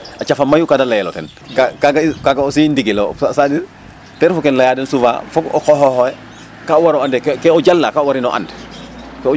caf a mayu ka da layel o ten kaaga kaaga aussi ndigil lo ca dire ke refu kem laya den souvent o qooxoox oxe ka war o and ke o jala ka warin o and